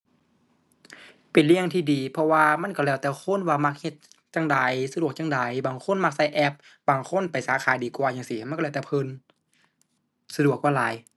เป็นเรื่องที่ดี เพราะว่ามันก็แล้วแต่คนว่ามักเฮ็ดจั่งใด สะดวกจั่งใด บางคนมักก็แอป บางคนไปสาขาดีกว่าจั่งซี้ มันก็แล้วแต่เพิ่น สะดวกกว่าหลาย